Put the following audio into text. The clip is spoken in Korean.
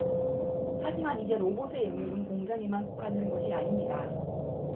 하지만 이제 로봇의 영역은 공장에만 국한된 것이 아닙니다